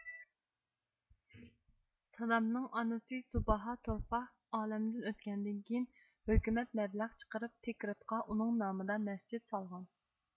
سادامنىڭ ئانىسى سۇباھا تورفاھ ئالەمدىن ئۆتكەندىن كىيىن ھۆكۈمەت مەبلەغ چىقىرىپ تىكرىتقا ئۇنىڭ نامىدا مەسچىت سالغان